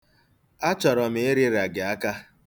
Achọrọ m ịrịrịa gị aka.